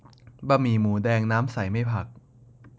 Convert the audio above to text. บะหมี่หมูแดงน้ำใสไม่ผัก